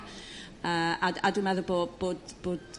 yrr a a dwi meddwl bo' bod bod...